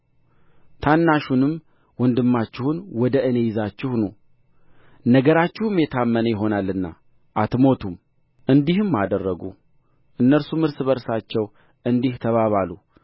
ታናሹንም ወንድማችሁን ወደ እኔ ይዛችሁ ኑ ነገራችሁም የታመነ ይሆናልና አትሞቱም እንዲህም አደረጉ እነርሱም እርስ በርሳቸው እንዲህ ተባባሉ